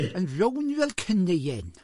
Yn rownd fel cyneuen!